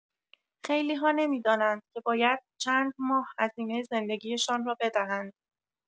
خیلی‌ها نمی‌دانند که باید چند ماه هزینه زندگی‌شان را بدهند.